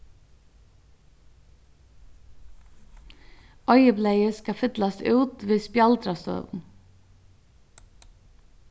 oyðublaðið skal fyllast út við spjaldrastøvum